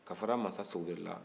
ka fara mansasogiri la